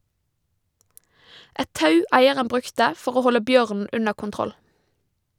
Et tau eieren brukte for å holde bjørnen under kontroll.